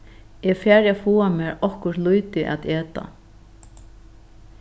eg fari at fáa mær okkurt lítið at eta